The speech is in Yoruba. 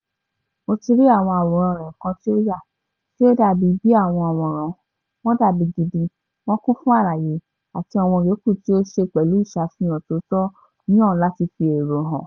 Mo ti rí àwọn àwòrán rẹ kan tí ó yà tí ó dàbí bíi àwọn àwòrán, wọ́n dabi gidi, wọ́n kún fún àlàyé...àti àwọn ìyókù tí o ṣe pẹ̀lú ìsàfihàn tòótọ́ yẹn láti fi èrò hàn.